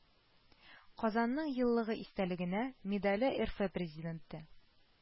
“казанның еллыгы истәлегенә” медале рф президенты